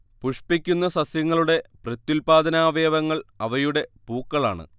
പുഷ്പിക്കുന്ന സസ്യങ്ങളുടെ പ്രത്യുല്പാദനാവയവങ്ങൾ അവയുടെ പൂക്കളാണ്